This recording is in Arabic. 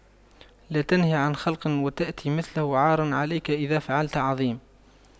لا تنه عن خلق وتأتي مثله عار عليك إذا فعلت عظيم